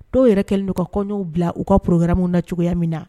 Dɔw yɛrɛ kɛlen don ka kɔɲɔɲɔgɔnw bila u ka pury wɛrɛw na cogoya min na